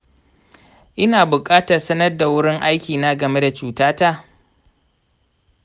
ina bukatar sanar da wurin aikina game da cutata?